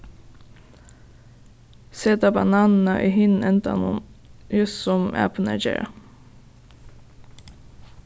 set á bananina í hinum endanum júst sum apurnar gera